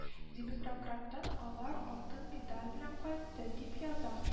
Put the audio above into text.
Димитровградтан алар алтын медаль белән кайтты, дип яза